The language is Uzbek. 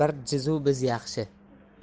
bir jiz u biz yaxshi